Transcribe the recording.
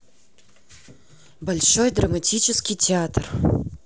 большой драматический театр